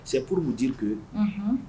_ C'est pour vous dire que unhun